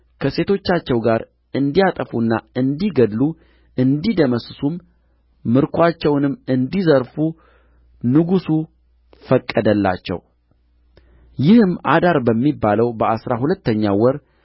ከሴቶቻቸው ጋር እንዲያጠፉና እንዲገድሉ እንዲደመስሱም ምርኮአቸውንም እንዲዘርፉ ንጉሡ ፈቀደላቸው ይህም አዳር በሚባለው በአሥራ ሁለተኛው ወር